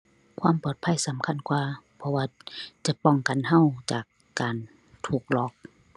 ความปลอดภัยสำคัญกว่า เพราะว่าจะป้องกันเรา จากการถูกหลอก